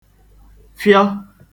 fịọ